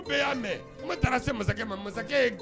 Y'a mɛ taara se